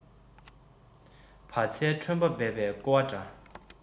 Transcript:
བ ཚྭའི ཁྲོན པ འབད པས རྐོ བ འདྲ